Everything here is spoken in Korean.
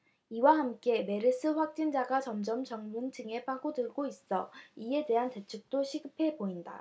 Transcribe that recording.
이와 함께 메르스 확진자가 점점 젊은 층에 파고들고 있어 이에 대한 대책도 시급해 보인다